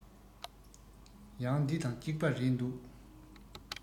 ཡང འདི དང ཅིག པ རེད འདུག